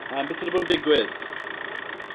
Yym be' sy 'di bod yn digwydd?